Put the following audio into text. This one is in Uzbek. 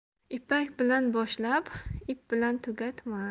ipakbilan boshlab ip bilan tugatma